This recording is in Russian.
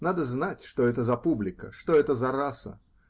Надо знать, что это за публика, что это за раса!